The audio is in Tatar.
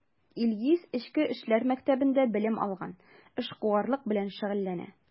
Илгиз Эчке эшләр мәктәбендә белем алган, эшкуарлык белән шөгыльләнә.